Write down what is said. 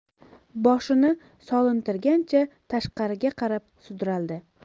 boshini solintirgancha tashqariga qarab sudraldi